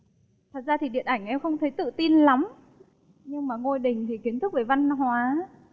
thật ra thì điện ảnh em không thấy tự tin lắm nhưng mà ngôi đình thì kiến thức về văn hóa